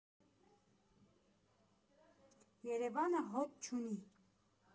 Երևանը հոտ չունի։